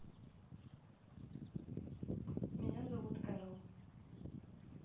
меня зовут эрл